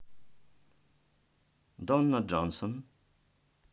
donna johnson